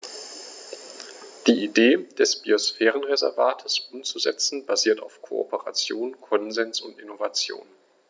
Die Idee des Biosphärenreservates umzusetzen, basiert auf Kooperation, Konsens und Innovation.